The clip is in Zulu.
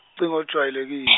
ucingo olujwayeleki- .